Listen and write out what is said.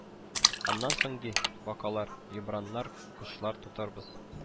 Аннан соң ди, бакалар, йомраннар, кошлар тотарбыз